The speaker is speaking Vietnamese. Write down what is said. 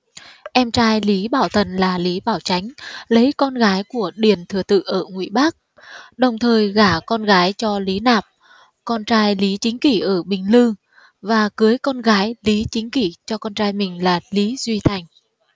em trai lý bảo thần là lý bảo chánh lấy con gái của điền thừa tự ở ngụy bác đồng thời gả con gái cho lý nạp con trai lý chính kỉ ở bình lư và cưới con gái lý chính kỉ cho con trai mình là lý duy thành